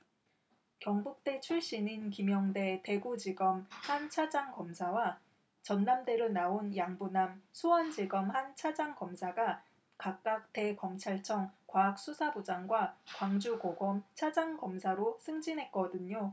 경북대 출신인 김영대 대구지검 한 차장검사와 전남대를 나온 양부남 수원지검 한 차장검사가 각각 대검찰청 과학수사부장과 광주고검 차장검사로 승진했거든요